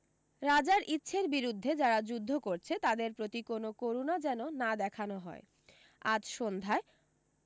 রাজার ইচ্ছের বিরুদ্ধে যারা যুদ্ধ করছে তাদের প্রতি কোনো করুণা যেন না দেখান হয় আজ সন্ধ্যায়